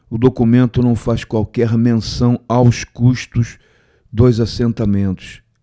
o documento não faz qualquer menção aos custos dos assentamentos